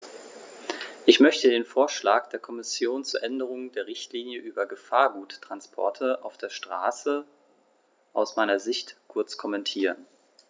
Ich möchte den Vorschlag der Kommission zur Änderung der Richtlinie über Gefahrguttransporte auf der Straße aus meiner Sicht kurz kommentieren.